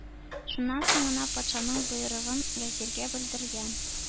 Шуннан соң гына патшаның боерыгын вәзиргә белдергән.